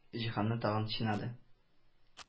Җиһанны тагын чинады